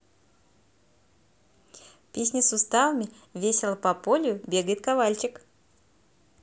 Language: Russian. песня суставами весело по полю бегают ковальчик